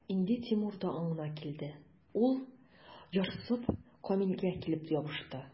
Инде Тимур да аңына килде, ул, ярсып, Камилгә килеп ябышты.